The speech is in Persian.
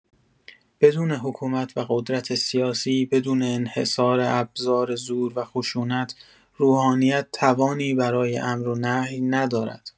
بدون حکومت و قدرت سیاسی، بدون انحصار ابزار زور و خشونت، روحانیت توانی برای امر و نهی ندارد.